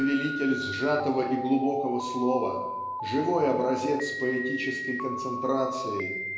повелитель сжатого и глубокого слова, живой образец поэтической концентрации,